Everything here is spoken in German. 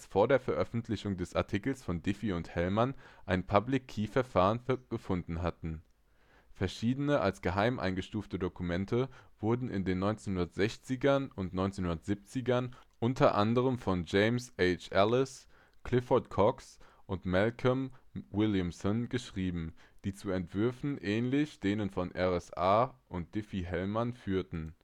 vor der Veröffentlichung des Artikels von Diffie und Hellman ein Public-Key-Verfahren gefunden hätten. Verschiedene als geheim eingestufte Dokumente wurden in den 1960ern und 1970ern u. a. von James H. Ellis, Clifford Cocks und Malcolm Williamson geschrieben, die zu Entwürfen ähnlich denen von RSA und Diffie-Hellman führten